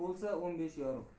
bo'lsa o'n beshi yorug'